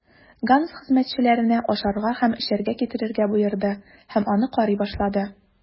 Ганс хезмәтчеләренә ашарга һәм эчәргә китерергә боерды һәм аны карый башлады.